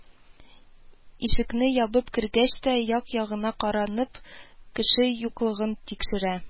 Ишекне ябып кергәч тә, як-ягына каранып, кеше юклыгын тикшерә